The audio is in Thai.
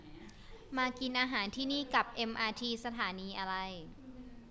มากินอาหารที่นี่กลับเอมอาทีสถานีอะไร